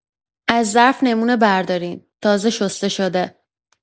از ظرف نمونه بردارین، تازه شسته شده.